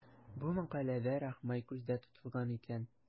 Бу мәкаләдә Рахмай күздә тотылган икән.